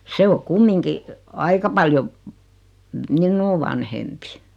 se on kumminkin aika paljon minua vanhempi